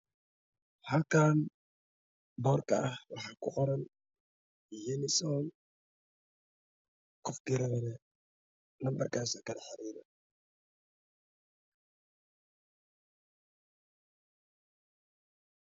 Halkaan boorka waxaa ku qoron unis ool qofkii rab lambarkaas ha kala xariiro